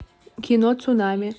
кино цунами